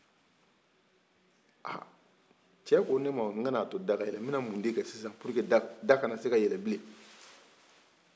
ahh cɛ ko ne ma an kana to da ka yɛlɛ n bɛna mun de kɛ sisan pour que da kana se ka yɛlɛ bilen